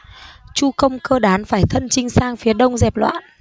chu công cơ đán phải thân chinh sang phía đông dẹp loạn